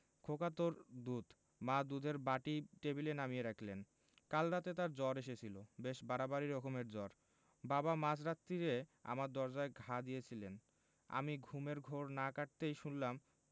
খোকা তোর দুধ মা দুধের বাটি টেবিলে নামিয়ে রাখলেন কাল রাতে তার জ্বর এসেছিল বেশ বাড়াবাড়ি রকমের জ্বর বাবা মাঝ রাত্তিরে আমার দরজায় ঘা দিয়েছিলেন আমি ঘুমের ঘোর না কাটতেই শুনলাম